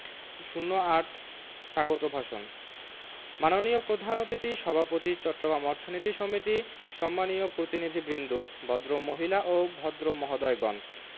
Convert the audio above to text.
০৮ স্বাগত ভাষণ মাননীয় প্রধান অতিথি সভাপতি চট্টগ্রাম অর্থনীতি সমিতি সম্মানীয় প্রতিনিধিবৃন্দ ভদ্রমহিলা ও ভদ্রমহোদয়গণ